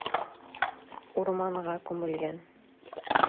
Урманга күмелгән.